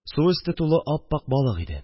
Су өсте тулы ап-ак балык иде